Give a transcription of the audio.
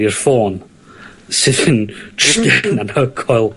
i'r ffôn, sy'n anhygoel.